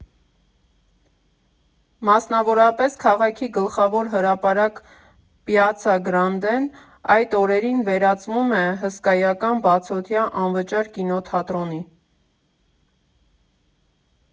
Մասնավորապես՝ քաղաքի գլխավոր հրապարակ Պյացցա Գրանդեն այդ օրերին վերածվում է հսկայական բացօթյա անվճար կինոթատրոնի.